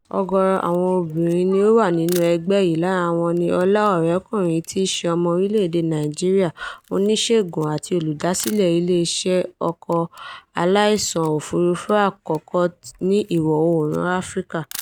Ó lè ṣe ẹ̀dá àwọn fáìlì láti orí ààyè ìkóǹkansí lórí ẹ̀rọ kọ̀m̀pútà, ṣe àgbàálẹ̀ ìpè Skype, àwọn méèlí, àwọn àtẹ̀jíṣẹ́ kíákíá, àwọn ọ̀rọ̀ìgbaniwọlé tí wọ́n tẹ̀ sí inú ìṣàwárí ìtàkùn àgbáyé, pàápàá ó tún le tẹ́tí gbọ́ ọ̀rọ̀ láti orí kámẹ́rà ẹ̀rọ kọ̀m̀pútà.